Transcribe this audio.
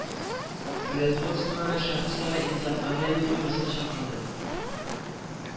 Производствода шәхесара низагларга юл куймаска чакырды